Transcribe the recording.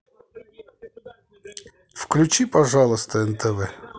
включи пожалуйста нтв